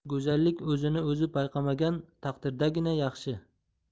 go'zallik o'zini o'zi payqamagan taqdirdagina yaxshi